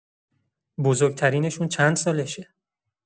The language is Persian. بزرگ‌ترینشون چند سالشه؟